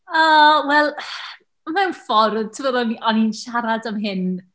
O, wel mewn ffordd, timod, o'n i o'n i'n siarad am hyn.